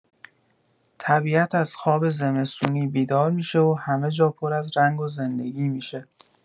طبیعت از خواب زمستونی بیدار می‌شه و همه جا پر از رنگ و زندگی می‌شه.